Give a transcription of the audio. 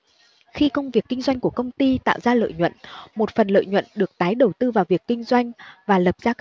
khi công việc kinh doanh của công ty tạo ra lợi nhuận một phần lợi nhuận được tái đầu tư vào việc kinh doanh và lập các